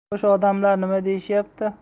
xo'sh odamlar nima deyishyapti